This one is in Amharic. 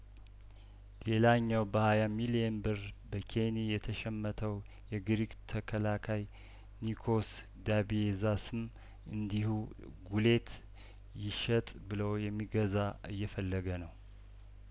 ሌላኛው በሀያ ሚሊዬን ብር በኬኒ የተሸመተው የግሪክ ተከላካይ ኒኮስዳ ቤዛ ስም እንዲሁ ጉሌት ይሸጥ ብሎ የሚገዛ እየፈለገ ነው